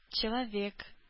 Человек